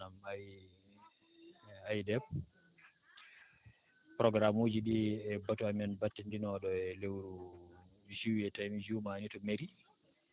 manam A AIDF programme uuji ɗi e batu amen battinndinooɗo e lewru juillet tawi mi juumaani to mairie